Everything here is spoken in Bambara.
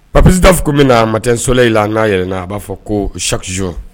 Papis Daf ko min na matin-soleil la n'a yɛlɛ na,a b'a fɔ ko chaque jour